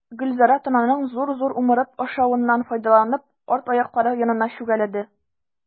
Гөлзәрә, тананың зур-зур умырып ашавыннан файдаланып, арт аяклары янына чүгәләде.